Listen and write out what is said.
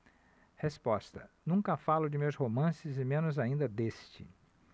resposta nunca falo de meus romances e menos ainda deste